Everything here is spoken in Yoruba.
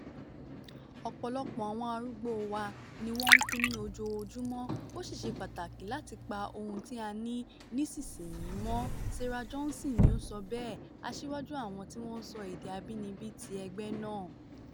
"Ọ̀pọ̀lọpọ̀ àwọn arúgbó wá ni wọ́n ń kú, ní ojoojúmọ́, ó sì ṣe pàtàkì láti pa ohun tí a ní nísinsìnyí mọ́," Sarah Johnson ni ó sọ bẹ́ẹ̀, asíwájú àwọn tí wọ́n ń sọ èdè abínibí ti Ẹgbẹ́ náà.